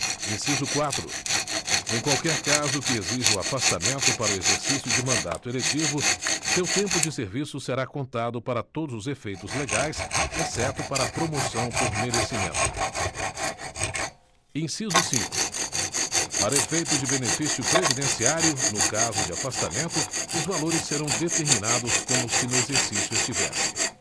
inciso quatro em qualquer caso que exija o afastamento para o exercício de mandato eletivo seu tempo de serviço será contado para todos os efeitos legais exceto para promoção por merecimento inciso cinco para efeito de benefício previdenciário no caso de afastamento os valores serão determinados como se no exercício estivesse